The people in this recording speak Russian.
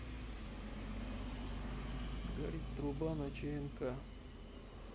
горит труба на чмк